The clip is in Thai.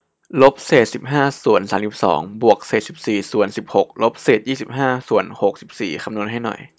ลบเศษสิบห้าส่วนสามสิบสองบวกเศษสิบสี่ส่วนสิบหกลบเศษยี่สิบห้าส่วนหกสิบสี่คำนวณให้หน่อย